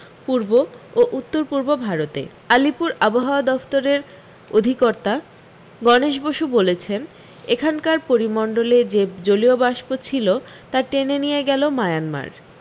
পূর্ব ও উত্তর পূর্ব ভারতে আলিপুর আবহাওয়া দফতরের অধিকর্তা গণেশ বসু বলেছেন এখানকার পরিমণ্ডলে যে জলীয় বাষ্প ছিল তা টেনে নিয়ে গেল মায়ানমার